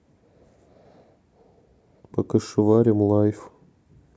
покашеварим лайф